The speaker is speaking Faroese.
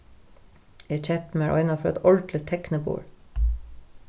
eg keypti mær einaferð eitt ordiligt tekniborð